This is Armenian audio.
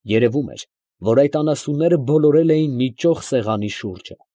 Երևում էր, որ այդ անասունները բոլորել էին մի ճոխ սեղանի շուրջը։